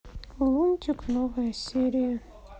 лунтик новая серия